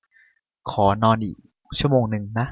ขอนอนอีกชั่วโมงนึงนะ